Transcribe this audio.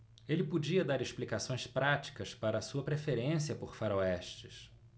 ele podia dar explicações práticas para sua preferência por faroestes